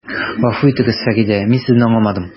Гафу итегез, Фәридә, мин Сезне аңламадым.